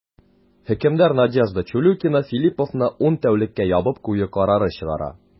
Хөкемдар Надежда Чулюкина Филлиповны ун тәүлеккә ябып кую карары чыгара.